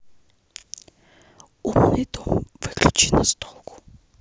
умный дом выключи настолку